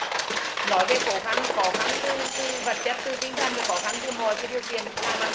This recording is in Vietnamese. nói về khó khăn khó khăn từ từ vật chất từ tinh thần và khó khăn từ mọi điều kiện làm ăn